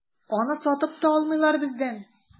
Аны сатып та алмыйлар бездән.